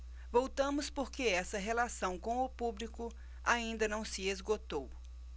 voltamos porque essa relação com o público ainda não se esgotou